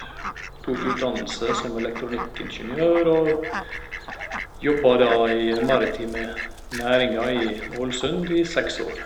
Tok utdannelse som elektronikkingeniør og jobba da i den maritime næringa i Ålesund i seks år.